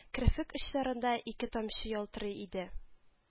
Керфек очларында ике тамчы ялтырый иде